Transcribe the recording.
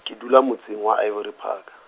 ke dula motseng wa Ivory park.